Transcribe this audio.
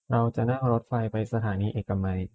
เราจะนั่งรถไฟไปสถานีเอกมัย